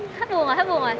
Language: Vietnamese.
hết buồn gồi hết buồn gồi